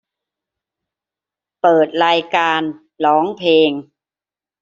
เปิดรายการร้องเพลง